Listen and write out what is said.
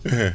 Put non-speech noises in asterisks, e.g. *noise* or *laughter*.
*hesitation* *hesitation*